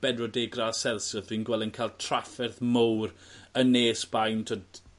bedwar deg gradd Celsius fi'n gweld e'n ca'l trafferth mowr yn ne Sbaen t'wod